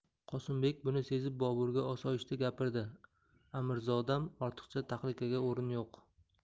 qosimbek buni sezib boburga osoyishta gapirdi amirzodam ortiqcha tahlikaga o'rin yo'q